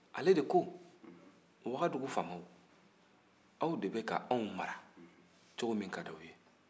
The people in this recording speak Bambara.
ale de ko wagadu faamaw aw de bɛk'anw mara cogo min ka d'aw ye